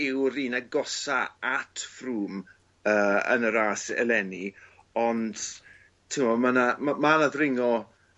yw'r un agosa at Froome yy yn y ras eleni ond t'mo' ma' 'na ma' ma' 'na ddringo